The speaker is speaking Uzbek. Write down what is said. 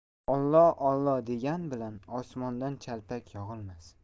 ollo ollo degan bilan osmondan chalpak yog'ilmas